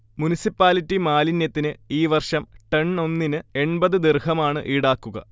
municipality മാലിന്യത്തിന്ഈ വർഷം ton ഒന്നിന് എണ്‍പത് ദിർഹമാണ്ഇടാക്കുക